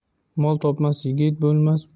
mol topmas yigit bo'lmas